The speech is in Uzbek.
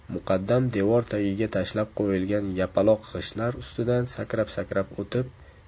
muqaddam devor tagiga tashlab qo'yilgan yapaloq g'ishtlar ustidan sakrab sakrab o'tib